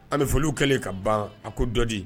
A bɛ fɔliw kɛlen ka ban a ko dɔdi